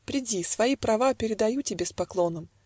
приди: свои права Передаю тебе с поклоном.